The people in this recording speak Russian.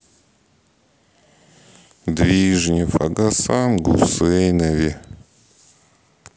движнев о гасан гусейнове